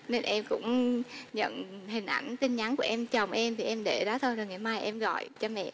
nên em cũng nhận hình ảnh tin nhắn của em chồng em thì em để đó thôi thì ngày mai em gọi cho mẹ